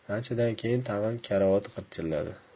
anchadan keyin tag'in karavot g'irchilladi